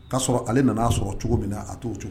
Ka'a sɔrɔ ale nana'a sɔrɔ cogo min na a t'o cogo